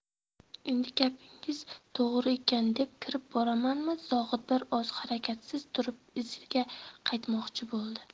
endi gapingiz to'g'ri ekan deb kirib boramanmi zohid bir oz harakatsiz turib iziga qaytmoqchi bo'ldi